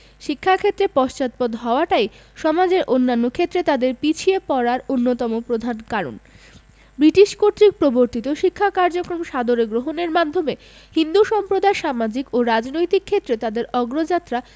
শিক্ষাক্ষেত্রে পশ্চাৎপদ হওয়াটাই সমাজের অন্যান্য ক্ষেত্রে তাদের পিছিয়ে পড়ার অন্যতম প্রধান কারণ ব্রিটিশ কর্তৃক প্রবর্তিত শিক্ষা কার্যক্রম সাদরে গ্রহণের মাধ্যমে হিন্দু সম্প্রদায় সামাজিক ও রাজনৈতিক ক্ষেত্রে তাদের অগ্রযাত্রা